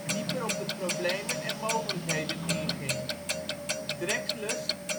dieper op de problemen en mogelijkheden inging. Drexlers